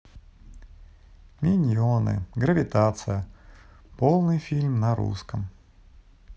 миньоны гравитация полный фильм на русском